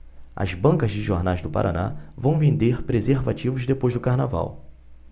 as bancas de jornais do paraná vão vender preservativos depois do carnaval